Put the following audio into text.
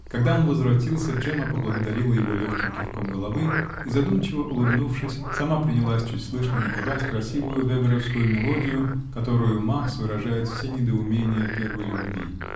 Когда он возвратился, Джемма поблагодарила его легким кивком головы и, задумчиво улыбнувшись, сама принялась чуть слышно напевать красивую веберовскую мелодию, которою Макс выражает все недоумения первой любви.